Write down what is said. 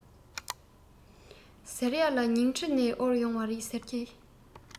ཟེར ཡས ལ ཉིང ཁྲི ནས དབོར ཡོང བ རེད ཟེར གྱིས